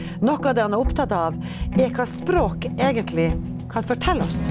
noe av det han er opptatt av er hva språk egentlig kan fortelle oss.